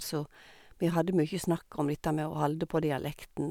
Så vi hadde mye snakk om dette med å holde på dialekten.